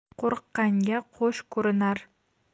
qo'rqqanga qo'sh 'rinar